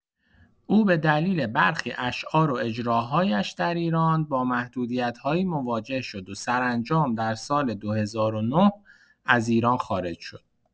او به دلیل برخی اشعار و اجراهایش در ایران با محدودیت‌هایی مواجه شد و سرانجام در سال ۲۰۰۹ از ایران خارج شد.